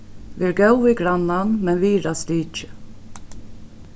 ver góð við grannan men virða stikið